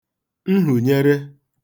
nhụ̀nyere